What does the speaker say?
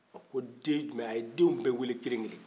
ko den jumɛn a ye den bɛɛ wele kelen kelen